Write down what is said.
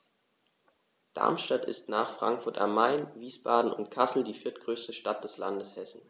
Darmstadt ist nach Frankfurt am Main, Wiesbaden und Kassel die viertgrößte Stadt des Landes Hessen